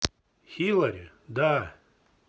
хилари да